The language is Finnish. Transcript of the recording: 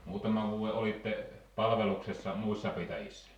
muutaman vuoden olitte palveluksessa muissa pitäjissä